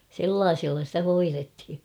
sellaisilla sitä hoidettiin